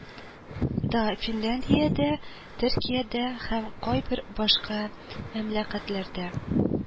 Да, финляндиядә, төркиядә һәм кайбер башка мәмләкәтләрдә